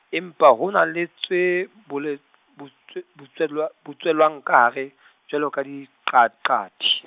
empa ho na le tse bole-, butswe-, butswellwa-, butswellwang ka hare, jwalo ka diqaqati.